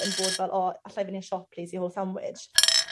yn bod fel o allai fyn' i'r siop plîs i hol samwij.